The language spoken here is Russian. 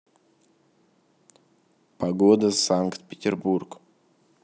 погода санкт петербург